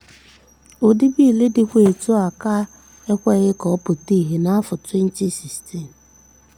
Ụdị bịịlụ dịkwa etu ahụ ka e kweghị ka ọ pụta ìhè n'afọ 2016.